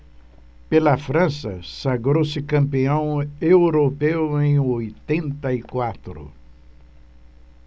pela frança sagrou-se campeão europeu em oitenta e quatro